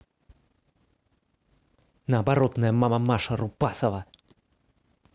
наоборотная мама маша рупасова